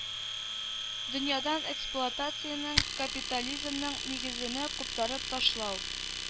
Дөньядан эксплуатациянең капитализмның нигезене куптарып ташлау